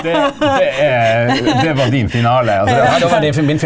det det er det var din finale .